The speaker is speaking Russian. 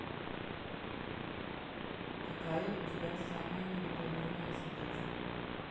какая у тебя самая невыполнимая задача